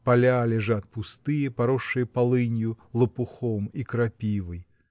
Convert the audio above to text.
Поля лежат пустые, поросшие полынью, лопухом и крапивой.